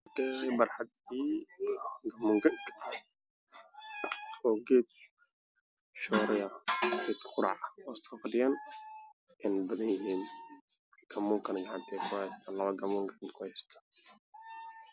Geed marxadid fadhiyaan oogeed shauriya hoos ka fadhiyaan oo inoo falcelin u badan yihiin odayaal